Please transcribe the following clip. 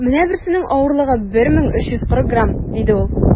- менә берсенең авырлыгы 1340 грамм, - диде ул.